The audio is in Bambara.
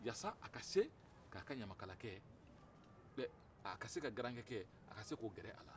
yaas'a ka se k'a ka ɲamakalakɛ a ka se ka garankɛ a ka se k'o gɛrɛ a la